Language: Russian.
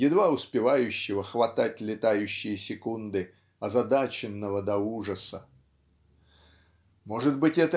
едва успевающего хватать летающие секунды озадаченного до ужаса". Может быть